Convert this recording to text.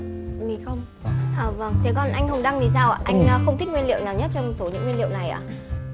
mình không à vầng thế còn anh hồng đăng thì sao ạ anh không thích nguyên liệu nào nhất trong số những nguyên liệu này ạ